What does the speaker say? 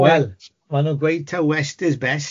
Wel mae nw'n gweud ta west is best.